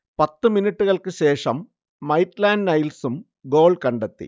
പത്ത് മിനുട്ടുകൾക്ക് ശേഷം മൈറ്റ്ലാന്‍ഡ് നൈൽസും ഗോൾ കണ്ടെത്തി